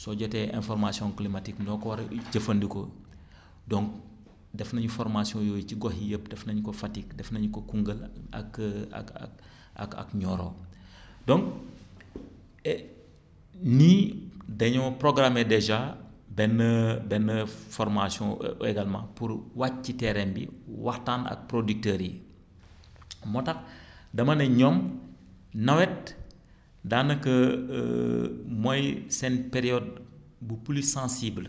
soo jotee information climatique noo ko war a jëfandikoo donc def nañu formation yooyu ci gox yépp def nañu ko Fatick def nañu ko Koungheul ak ak ak ak ak Nioro donc et nii dañoo programmer dèjà benn benn formation également pour wàcc ci terrain bi waxtaaan ak producteur yi moo tax da ma ne ñoom nawet daanaka mooy seen période bu plus sensible